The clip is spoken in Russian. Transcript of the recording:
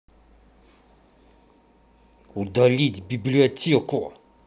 удалить библиотеку